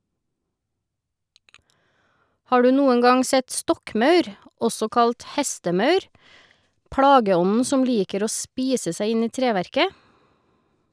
Har du noen gang sett stokkmaur , også kalt hestemaur, plageånden som liker å spise seg inn i treverket?